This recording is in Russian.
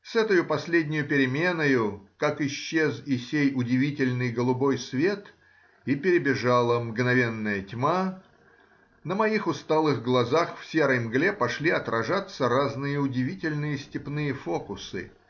С этою последнею переменою, как исчез и сей удивительный голубой свет и перебежала мгновенная тьма, на моих усталых глазах в серой мгле пошли отражаться разные удивительные степные фокусы.